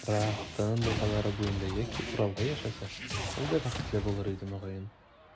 Ра, Тын елгалары буенда яки Уралда яшәсә, ул да бәхетле булыр иде, мөгаен.